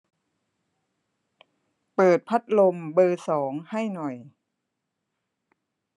เปิดพัดลมเบอร์สองให้หน่อย